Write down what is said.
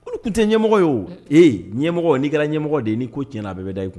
U tun tɛ ɲɛmɔgɔ ye o, e ɲɛmɔgɔ ni'i kɛra ɲɛmɔgɔ de ye ni ko tiɲɛna a bɛɛ bɛ da i k